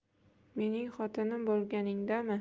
mening xotinim bo'lganingdami